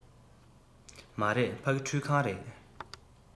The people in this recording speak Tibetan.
མ རེད ཕ གི ཁྲུད ཁང རེད